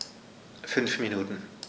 5 Minuten